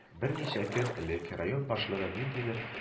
Берничә көн элек район башлыгы ниндидер